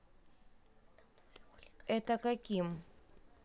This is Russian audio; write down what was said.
это каким